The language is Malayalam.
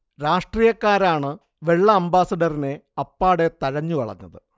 രാഷ്ട്രീയക്കാരാണ് വെള്ള അംബാസഡറിനെ അപ്പാടെ തഴഞ്ഞു കളഞ്ഞത്